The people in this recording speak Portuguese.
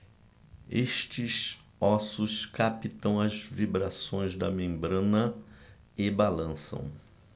estes ossos captam as vibrações da membrana e balançam